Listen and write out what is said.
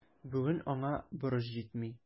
Бүген аңа борыч җитми.